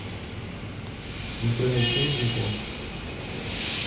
вы один его